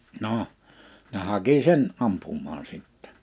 no ne haki sen ampumaan sitten